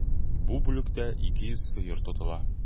Бу бүлектә 200 сыер тотыла.